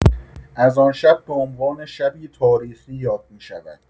از آن شب به عنوان شبی تاریخی یاد می‌شود.